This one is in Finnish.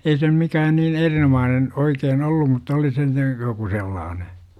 ei se nyt mikään niin erinomainen oikein ollut mutta oli se nyt joku sellainen